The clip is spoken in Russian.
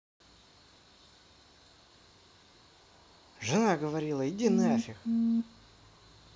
жена говорила иди нафиг